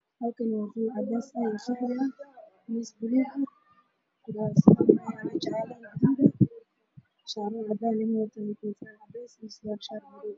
Meeshaan waxaa joogo niman badan wuxu wataa ninka usoo horeeyo koofi cad